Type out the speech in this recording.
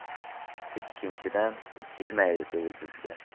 ikkinchidan u kelmaydi dedi u bizga